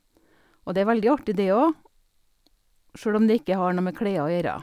Og det er veldig artig det óg, sjøl om det ikke har noe med klær å gjøre.